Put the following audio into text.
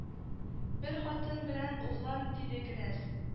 Бер хатын белән углан диде кенәз